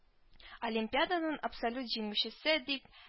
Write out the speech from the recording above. Олимпиаданың абсолют җиңүчесе дип